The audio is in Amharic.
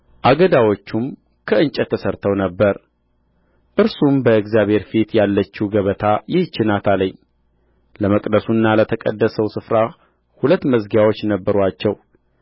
አገዳዎቹም ከእንጨት ተሠርተው ነበር እርሱም በእግዚአብሔር ፊት ያለችው ገበታ ይህች ናት አለኝ ለመቅደሱና ለተቀደሰው ስፍራ ሁለት መዝጊያዎች ነበሩአቸው